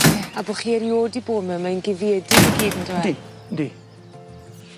Ie a bo' chi erio'd 'di bod 'my mae'n guddiedig i gyd yndyw e? Yndi yndi.